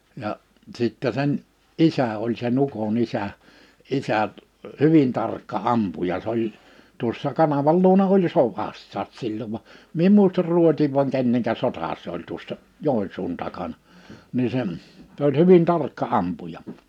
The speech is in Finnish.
ja sitten sen isä oli sen ukon isä isä hyvin tarkka ampuja se oli tuossa kanavan luona oli sodassakin silloin vaan minä en muista Ruotsin vai kenen sota se oli tuossa Joensuun takana niin se se oli hyvin tarkka ampuja